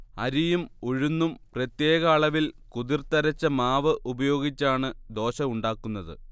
അരിയും ഉഴുന്നും പ്രത്യേക അളവിൽ കുതിർത്തരച്ച മാവ് ഉപയോഗിച്ചാണ് ദോശ ഉണ്ടാക്കുന്നത്